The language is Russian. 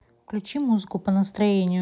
включи музыку по настроению